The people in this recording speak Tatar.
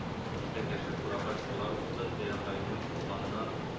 Җитәкләшеп урамга чыгулары булды, Бәйрәмгалинең туганнан